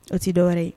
O tɛ dɔwɛrɛ ye